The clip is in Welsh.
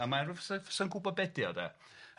A mae rywsut yn gwbo be' 'di o, 'de.